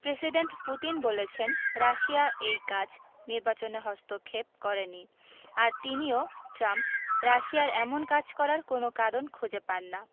president Putin বলেছেন Russia এই কাজ নির্বাচনে হস্তক্ষেপ করেনি আর তিনিও ট্রাম্প রাশিয়ার এমন কাজ করার কোনো কারণ খুঁজে পান না